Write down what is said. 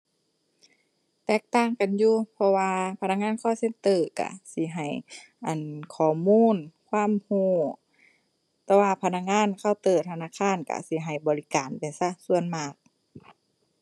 แตกต่างกันอยู่ เพราะว่าพนักงาน call center ก็สิให้ อั่น ข้อมูลความก็ แต่ว่าพนักงานเคาน์เตอร์ธนาคารก็สิให้บริการไปซะส่วนมาก